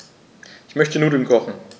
Ich möchte Nudeln kochen.